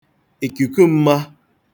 ìkùku m̄mā